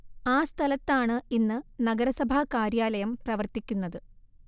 ആ സ്ഥലത്താണ് ഇന്ന് നഗരസഭാ കാര്യാലയം പ്രവർത്തിക്കുന്നത്